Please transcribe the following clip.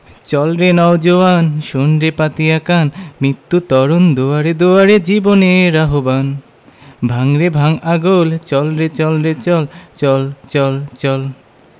চল রে নও জোয়ান শোন রে পাতিয়া কান মৃত্যু তরণ দুয়ারে দুয়ারে জীবনের আহবান ভাঙ রে ভাঙ আগল চল রে চল রে চল চল চল চল